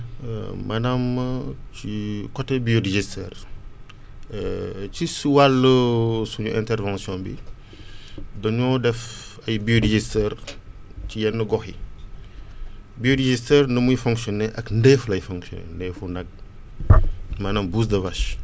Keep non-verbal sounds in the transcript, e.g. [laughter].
[hesitation] maanaam ci côté biodigesteur [hesitation] ci wàll [hesitation] suñu intervention bi [breath] dañoo def ay biodigesteurs [noise] ci yenn gox yi [breath] biodigesteur nu muy fonctionner ak ndéef lay fonctionné ndéefu nag [noise] maanaam bouse de vache